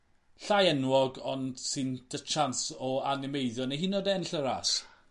llai enwog ond sy'n 'da chance o animeiddio ne' hyd yn o'd ennill y ras?